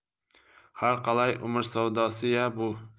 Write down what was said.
har qalay umr savdosi ya bu